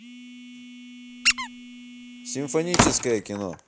симфоническое кино